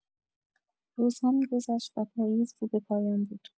روزها می‌گذشت و پاییز رو به پایان بود.